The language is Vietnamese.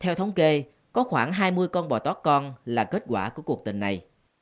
theo thống kê có khoảng hai mươi con bò tót con là kết quả của cuộc tình này